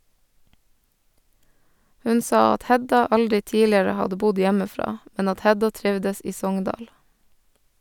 Hun sa at Hedda aldri tidligere hadde bodd hjemmefra, men at Hedda trivdes i Sogndal.